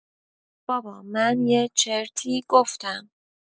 بابا من یه چرتی گفتم